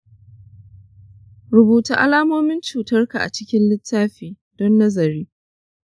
rubuta alamomin cutarka a cikin littafi don nazari.